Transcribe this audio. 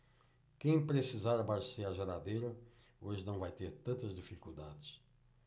quem precisar abastecer a geladeira hoje não vai ter tantas dificuldades